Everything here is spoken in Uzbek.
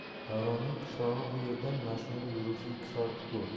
davronning qishlog'i bu yerdan mashinada yurilsa ikki soatlik yo'l